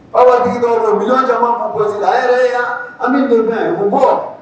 Aw wɔritigi dɔw be ye million caman b'an poche la a y'a yɛrɛ yira an bi le 20 o bɔ